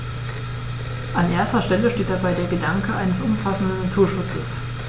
An erster Stelle steht dabei der Gedanke eines umfassenden Naturschutzes.